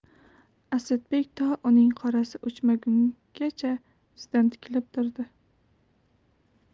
asadbek to uning qorasi o'chmaguncha izidan tikilib turdi